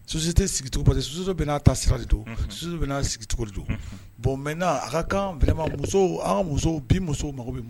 Société sigi cogo parceque société bɛɛ na taa sira de don. société bɛɛ na sigi cogo don. bon maintenant a ka kan vraiment musow an muso bi musow mako bemin ma